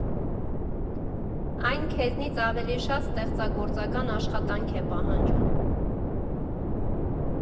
Այն քեզնից ավելի շատ ստեղծագործական աշխատանք է պահանջում։